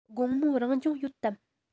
དགོང མོ རང སྦྱོང ཡོད དམ